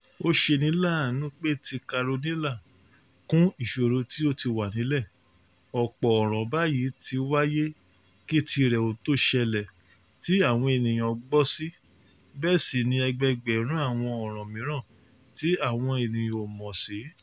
Ó ṣeni láàánú pé ti Carolina kún ìṣirò tí ó ti wà nílẹ̀, ọ̀pọ̀ ọ̀ràn báyìí ti wáyé kí tirẹ̀ ó tó ṣẹlẹ̀ tí àwọn ènìyàn gbọ́ sí, bẹ́ẹ̀ sì ni ẹgbẹẹgbẹ̀rún àwọn ọ̀ràn mìíràn tí àwọn èèyàn ò mọ̀ sí.